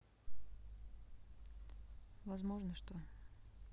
возможно что